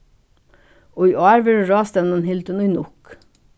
í ár verður ráðstevnan hildin í nuuk